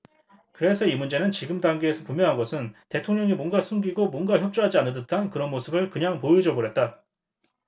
그래서 이 문제는 지금 단계에서 분명한 것은 대통령이 뭔가 숨기고 뭔가 협조하지 않는 듯한 그런 모습을 그냥 보여줘버렸다